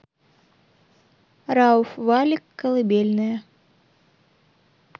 рауф валик колыбельная